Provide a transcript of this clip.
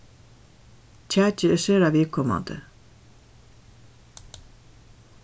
kjakið er sera viðkomandi